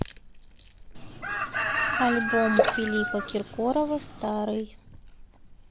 альбом филиппа киркорова старый